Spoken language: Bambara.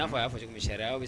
N'a'a fɔsi